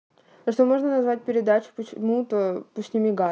а что можно назвать передачу почему то пусть не мигает